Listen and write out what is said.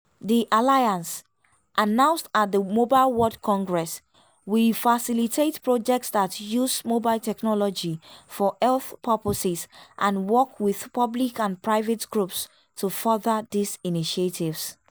The alliance, announced at the Mobile World Congress, will facilitate projects that use mobile technology for health purposes and work with public and private groups to further these initiatives.